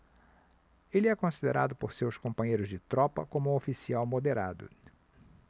ele é considerado por seus companheiros de tropa como um oficial moderado